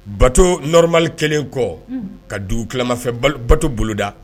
Bato nɔrɔma kɛlen kɔ ka dugukimafɛn bato boloda